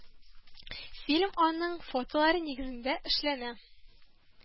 Фильм аның фотолары нигезендә эшләнә